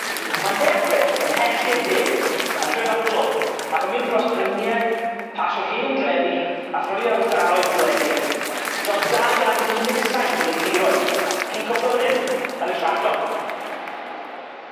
Ma'n dechre ymhell i'r de yn Trefyclo, ac yn mynd dros frynie pasio hen drefi, a thrwy ardaloedd gwledig dros dau gant un deg saith o filltiroedd, cyn cwpla fyn 'yn, yn y Trallwng.